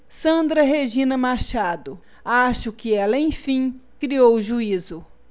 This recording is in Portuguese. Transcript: sandra regina machado acho que ela enfim criou juízo